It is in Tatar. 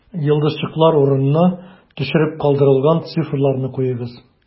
Йолдызчыклар урынына төшереп калдырылган цифрларны куегыз: